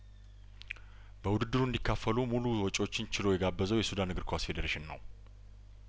በውድድሩ እንዲካፈሉ ሙሉ ወጪውን ችሎ የጋበዘው የሱዳን እግር ኳስ ፌዴሬሽን ነው